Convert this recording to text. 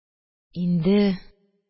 Инде